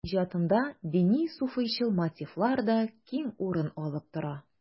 Иҗатында дини-суфыйчыл мотивлар да киң урын алып тора.